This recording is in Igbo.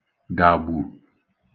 dàgbù